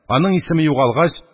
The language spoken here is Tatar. Аның исеме югалгач,